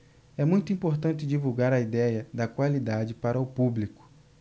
é muito importante divulgar a idéia da qualidade para o público